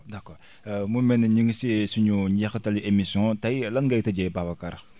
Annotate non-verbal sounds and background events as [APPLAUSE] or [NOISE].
d' accord [HESITATION] mel na ni ñu ngi si suñu njeexitali émission tey lan ngay tëjee Babacar